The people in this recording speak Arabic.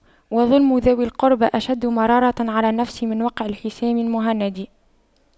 وَظُلْمُ ذوي القربى أشد مرارة على النفس من وقع الحسام المهند